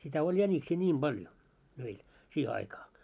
sitä oli jäniksiä niin paljon meillä siihen aikaa